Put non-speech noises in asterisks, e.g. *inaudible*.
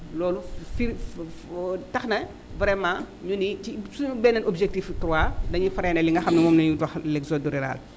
loolu fi fo tax na vraiment ñu ni ci suñu beneen objectif 3 dañuy freiné li nga xam ni *sniffs* moom la ñuy wax l' exode rural